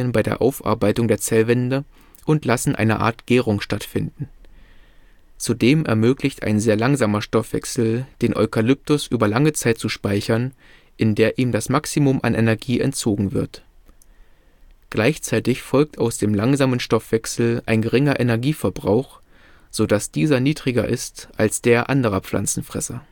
bei der Aufarbeitung der Zellwände und lassen eine Art Gärung stattfinden. Zudem ermöglicht ein sehr langsamer Stoffwechsel, den Eukalyptus über lange Zeit zu speichern, in der ihm das Maximum an Energie entzogen wird. Gleichzeitig folgt aus dem langsamen Stoffwechsel ein geringer Energieverbrauch, so dass dieser niedriger ist als der anderer Pflanzenfresser